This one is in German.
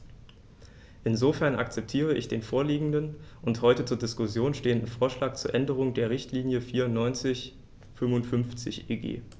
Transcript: Insofern akzeptiere ich den vorliegenden und heute zur Diskussion stehenden Vorschlag zur Änderung der Richtlinie 94/55/EG.